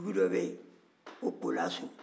dugu dɔ bɛ yen ko kolaso